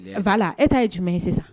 V e ta ye jumɛn ye sisan